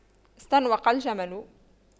استنوق الجمل